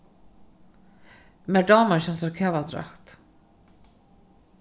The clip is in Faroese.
mær dámar ikki hansara kavadrakt